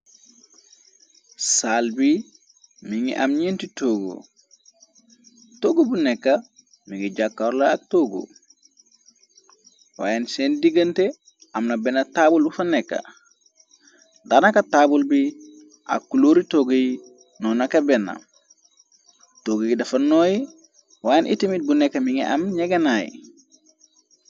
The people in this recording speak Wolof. saal bi mi ngi am ñienti toggu toggu bu nekka mi ngi jàkkoorla ak tóggu waayen seen digante amna benn taabul bu fa nekka danaka taabul bi ak kuluori toggu yi noo naka benn togg yi dafa nooy waayen itimit bu nekka mi ngi am negenaay